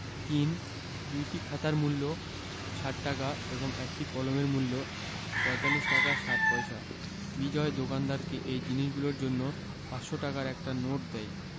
৩ দুইটি খাতার মূল্য ৬০ টাকা এবং একটি কলমের মূল্য ৪৫ টাকা ৬০ পয়সা বিজয় দোকানদারকে এই জিনিসগুলোর জন্য ৫০০ টাকার একটি নোট দেয়